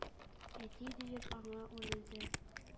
«әти!» —диеп, аңа үрелде.